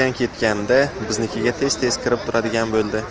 biznikiga tez tez kirib turadigan bo'ldi